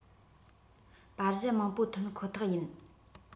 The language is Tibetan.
པར གཞི མང པོ ཐོན ཁོ ཐག ཡིན